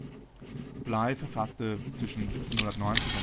Bligh verfasste zwischen 1790